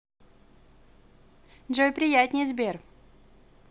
джой приятней сбер